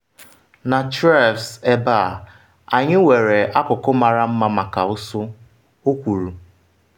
“Na Threaves ebe a, anyị nwere akụkụ mara mma maka ụsụ,” o kwuru.